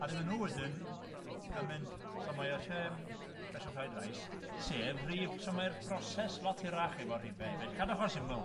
A 'dyn ma' nhw wedyn yn mynd, so mae o sh- yym, Special Fried Rice, sef, rhif, so mae'r broses lot hirach efo'r rhife hefyd, cadwch o syml.